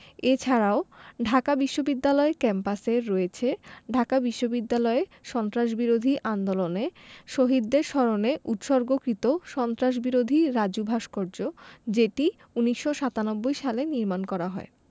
এ ছাড়াও ঢাকা বিশ্ববিদ্যালয় ক্যাম্পাসে রয়েছে ঢাকা বিশ্ববিদ্যালয়ে সন্ত্রাসবিরোধী আন্দোলনে শহীদদের স্মরণে উৎসর্গকৃত সন্ত্রাসবিরোধী রাজু ভাস্কর্য যেটি১৯৯৭ সালে নির্মাণ করা হয়